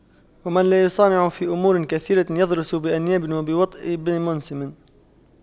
ومن لا يصانع في أمور كثيرة يضرس بأنياب ويوطأ بمنسم